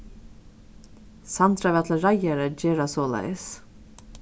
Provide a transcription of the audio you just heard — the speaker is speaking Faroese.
sandra var til reiðar at gera soleiðis